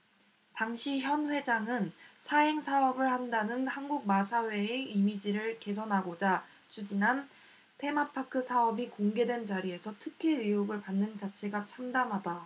당시 현 회장은 사행사업을 한다는 한국마사회의 이미지를 개선하고자 추진한 테마파크 사업이 공개된 자리에서 특혜 의혹을 받는 자체가 참담하다